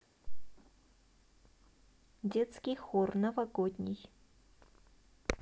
детский хор новогодний